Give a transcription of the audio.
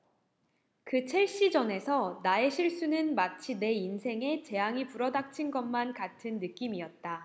그 첼시 전에서 나의 실수는 마치 내 인생에 재앙이 불어닥친 것만 같은 느낌이었다